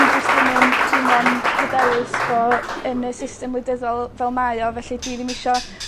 Fi jyst dim yn teimlo'n hyderus bo' yn y system wleidyddol fel mae o felly dwi ddim isio